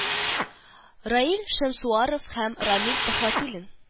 Раил Шәмсуаров һәм Рамил Төхвәтуллин